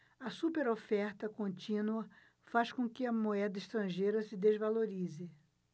a superoferta contínua faz com que a moeda estrangeira se desvalorize